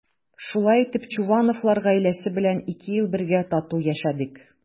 Шулай итеп Чувановлар гаиләсе белән ике ел бергә тату яшәдек.